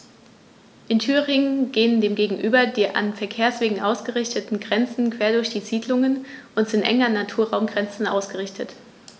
In Thüringen gehen dem gegenüber die an Verkehrswegen ausgerichteten Grenzen quer durch Siedlungen und sind eng an Naturraumgrenzen ausgerichtet.